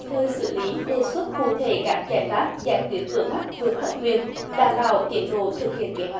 thời xử lý đề xuất cụ thể các giải pháp giải quyết vướng mắc vượt thẩm quyền đảm bảo tiến độ thực hiện kế hoạch